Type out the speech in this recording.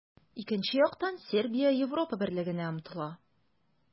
Икенче яктан, Сербия Европа Берлегенә омтыла.